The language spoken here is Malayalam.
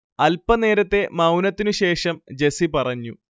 അൽപ്പനേരത്തെ മൗനത്തിനു ശേഷം ജെസ്സി പറഞ്ഞു